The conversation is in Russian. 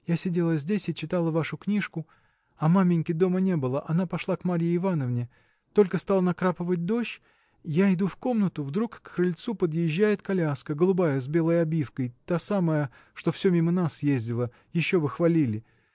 – я сидела здесь и читала вашу книжку а маменьки дома не было она пошла к Марье Ивановне. Только стал накрапывать дождь я иду в комнату вдруг к крыльцу подъезжает коляска голубая с белой обивкой та самая что все мимо нас ездила – еще вы хвалили.